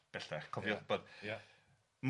Cofiwch bod